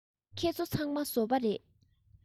ཁྱེད ཚོ ཚང མ བཟོ པ རེད པས